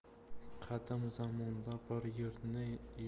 qadim zamonda bir